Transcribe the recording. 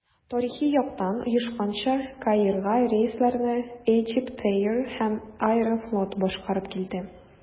Тарихи яктан оешканча, Каирга рейсларны Egypt Air һәм «Аэрофлот» башкарып килде.